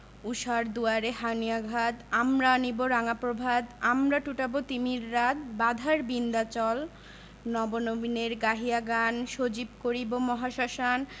ঊষার দুয়ারে হানি' আঘাত আমরা আনিব রাঙা প্রভাত আমরা টুটাব তিমির রাত বাধার বিন্ধ্যাচল নব নবীনের গাহিয়া গান সজীব করিব মহাশ্মশান